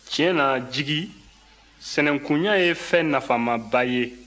tiɲɛ na jigi sinankunya ye fɛn nafamaba ye